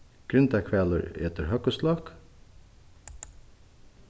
grindahvalur etur høgguslokk